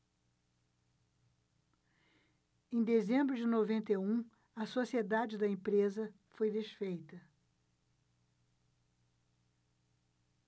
em dezembro de noventa e um a sociedade da empresa foi desfeita